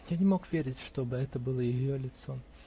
Я не мог верить, чтобы это было ее лицо.